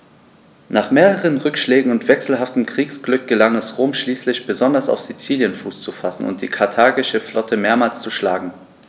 Nach mehreren Rückschlägen und wechselhaftem Kriegsglück gelang es Rom schließlich, besonders auf Sizilien Fuß zu fassen und die karthagische Flotte mehrmals zu schlagen.